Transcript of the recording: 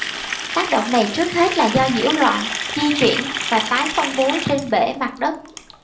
tác động này trước hết là do nhiễu loạn di chuyển và tái phân bố trên bể mặt đất